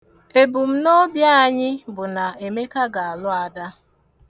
Ebumnobi anyị bụ na Emeka ga-alụ Ada.